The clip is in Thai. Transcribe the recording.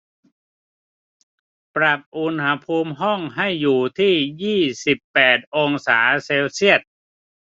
ปรับอุณหภูมิห้องให้อยู่ที่ยี่สิบแปดองศาเซลเซียส